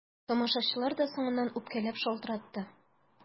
Тамашачылар да соңыннан үпкәләп шалтыратты.